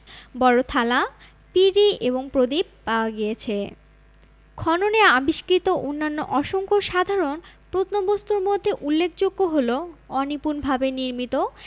বড় থালা পিঁড়ি এবং প্রদীপ পাওয়া গিয়েছে খননে আবিষ্কৃত অন্যান্য অসংখ্য সাধারণ প্রত্নবস্তুর মধ্যে উল্লেখযোগ্য হলো অনিপুণভাবে নির্মিত